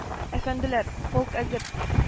- әфәнделәр, полк әзер